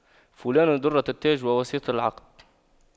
فلان دُرَّةُ التاج وواسطة العقد